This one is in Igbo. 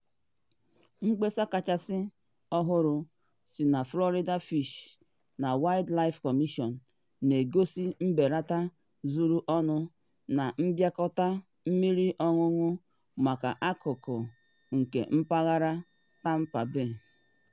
Mkpesa kachasị ọhụrụ si na Florida Fish na Wildlife Commission na egosi mbelata zuru ọnụ na mbịakọta Mmiri Anụnụ maka akụkụ nke mpaghara Tampa Bay.